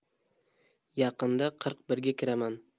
yaqinda qirq birga kiraman